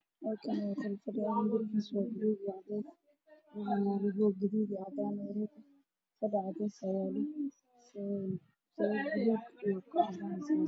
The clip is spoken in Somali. Waa labo kursi midabkoodu yahay qaliin